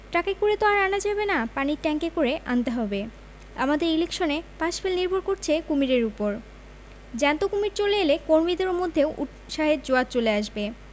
ট্রাকে করে তো আর আনা যাবে না পানির ট্যাংকে করে আনতে হবে আমাদের ইলেকশনে পাশ ফেল নির্ভর করছে কুমীরের উপর জ্যান্ত কুমীর চলে এলে কর্মীদের মধ্যেও উৎসাহের জোয়ার চলে আসবে